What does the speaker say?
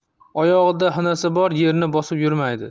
oyog'ida xinasi bor yerni bosib yurmaydi